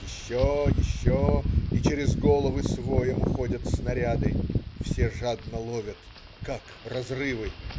Еще, еще, и через головы с воем уходят снаряды. Все жадно ловят: как разрывы?